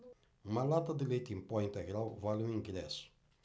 uma lata de leite em pó integral vale um ingresso